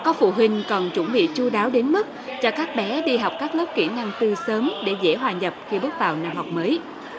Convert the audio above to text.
có phụ huynh còn chuẩn bị chu đáo đến mức cho các bé đi học các lớp kỹ năng từ sớm để dễ hòa nhập khi bước vào năm học mới